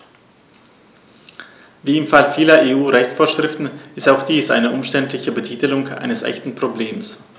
Wie im Fall vieler EU-Rechtsvorschriften ist auch dies eine umständliche Betitelung eines echten Problems.